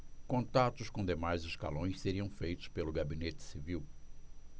contatos com demais escalões seriam feitos pelo gabinete civil